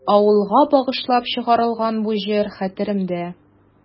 Авылга багышлап чыгарылган бу җыр хәтеремдә.